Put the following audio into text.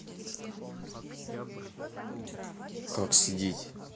как сидеть